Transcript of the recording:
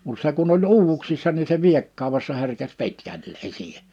mutta se kun oli uuvuksissa niin se viekkaudessa herkesi pitkälleen siihen